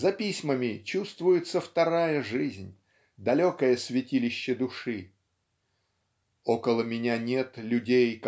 за письмами чувствуется вторая жизнь, далекое святилище души. "Около меня нет людей